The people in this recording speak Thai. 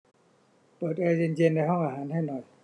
เปิดแอร์เย็นเย็นในห้องอาหารให้หน่อย